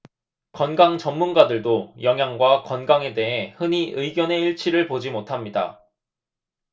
건강 전문가들도 영양과 건강에 대해 흔히 의견의 일치를 보지 못합니다